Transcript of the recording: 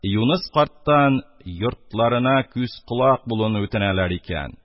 Юныс карттан «йортларына күз-колак булу»ны үтенәләр икән.